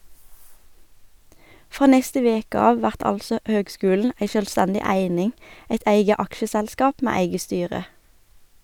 Frå neste veke av vert altså høgskulen ei sjølvstendig eining, eit eige aksjeselskap med eige styre.